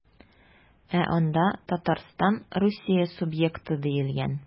Ә анда Татарстан Русия субъекты диелгән.